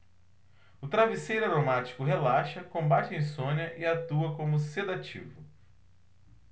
o travesseiro aromático relaxa combate a insônia e atua como sedativo